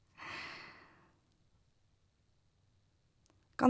Kan...